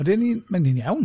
Ydyn ni'n mynd i'n iawn.